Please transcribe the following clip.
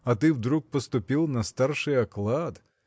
а ты вдруг поступил на старший оклад